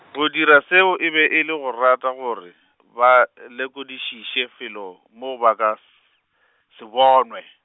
go dira seo e be e le go rata gore, ba lekodišiše felo moo ba ka s-, se bonwe.